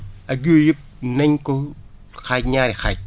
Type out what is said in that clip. ak yooyu yëpp nañ ko xaaj ñaari xaaj